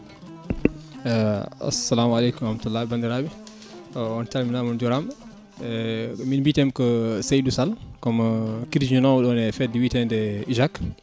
assalamu alaeykum rahamatullah bandiriɓe on calminama on jurama min mbitemi ko Saydou Sall komi kirjinowo ɗon e fedde wiitede IJAK